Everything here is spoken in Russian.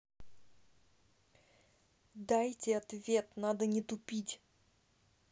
дайте ответ надо не тупить